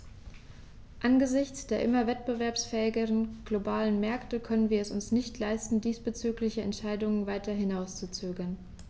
Angesichts der immer wettbewerbsfähigeren globalen Märkte können wir es uns nicht leisten, diesbezügliche Entscheidungen weiter hinauszuzögern.